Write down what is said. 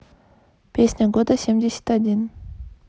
песня года семьдесят один